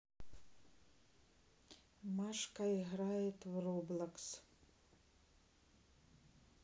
машка играет в роблокс